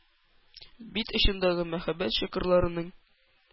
Бит очындагы “мәхәббәт чокырлары”ның